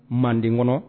Manden kɔnɔ